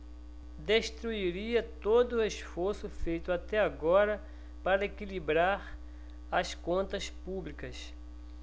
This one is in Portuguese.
destruiria todo esforço feito até agora para equilibrar as contas públicas